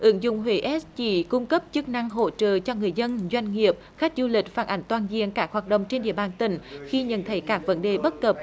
ứng dụng huế ét chỉ cung cấp chức năng hỗ trợ cho người dân doanh nghiệp khách du lịch phản ảnh toàn diện các hoạt động trên địa bàn tỉnh khi nhận thấy các vấn đề bất cập